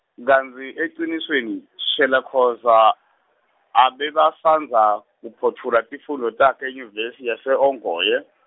kantsi ecinisweni, thishela Khoza , abebasandza kuphotfula tifundvo takhe enyuvesi yase-Ongoye.